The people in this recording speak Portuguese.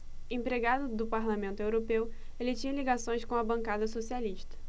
empregado do parlamento europeu ele tinha ligações com a bancada socialista